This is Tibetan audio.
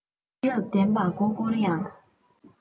ཤེས རབ ལྡན པ མགོ བསྐོར ཡང